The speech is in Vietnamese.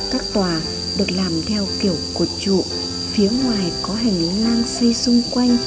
các tòa được làm theo kiểu cột trụ phía ngoài có hành lang xây xung quanh